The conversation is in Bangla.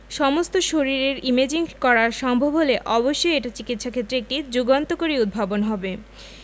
সমস্ত শরীরের ইমেজিং করা সম্ভব হলে অবশ্যই এটা চিকিত্সাক্ষেত্রে একটি যুগান্তকারী উদ্ভাবন হবে